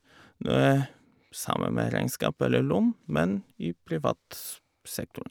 Noe samme med regnskap eller lønn, men i privat sektor.